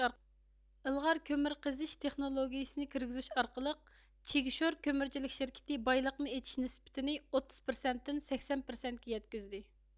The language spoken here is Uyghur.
ئىلغار كۆمۈر قېزىش تېخنولوگىيىسىنى كىرگۈزۈش ئارقىلىق چىگشور كۆمۈرچىلىك شىركىتى بايلىقنى ئېچىش نىسبىتىنى ئوتتۇز پىرسەنتتىن سەكسەن پىرسەنتكە يەتكۈزدى